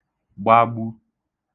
gbagbu